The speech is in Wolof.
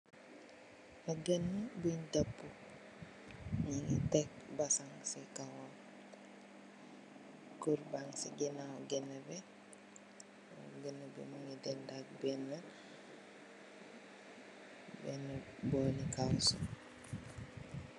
Ganne bunj dappu, nyingi teg basang si kawam, kur bang si ganaaw ganne bi, ganne bi mingi dendag benne, benne booli kawsu,